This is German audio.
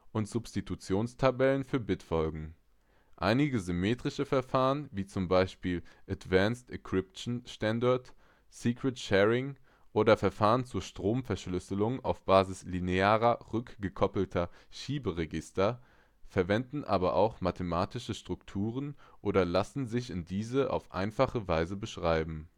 und Substitutions-Tabellen für Bitfolgen. Einige symmetrische Verfahren, wie z. B. Advanced Encryption Standard, Secret-Sharing oder Verfahren zur Stromverschlüsselung auf Basis linear rückgekoppelter Schieberegister, verwenden aber auch mathematische Strukturen oder lassen sich in diesen auf einfache Weise beschreiben